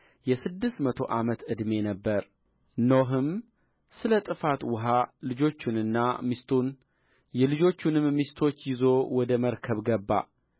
የስድስት መቶ ዓመት ዕድሜ ነበረ ኖኅም ስለ ጥፋት ውኃ ልጆቹንና ሚስቱን የልጆቹንም ሚስቶች ይዞ ወደ መርከብ ገባ